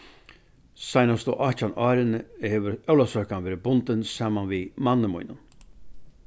seinastu átjan árini hevur ólavsøkan verið bundin saman við manni mínum